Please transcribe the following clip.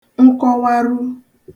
nkọwaru